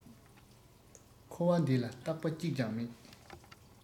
འཁོར བ འདི ལ རྟག པ གཅིག ཀྱང མེད